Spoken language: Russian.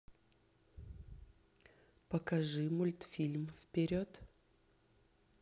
покажи мультфильм вперед